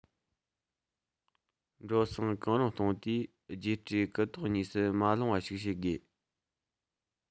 འགྲོ སོང གང རུང གཏོང དུས རྒྱས སྤྲོས གུ དོག གཉིས སུ མ ལྷུང བ ཞིག བྱེད དགོས